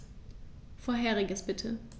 Vorheriges bitte.